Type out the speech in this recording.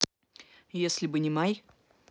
если бы не май